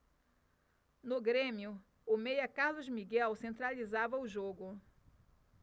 no grêmio o meia carlos miguel centralizava o jogo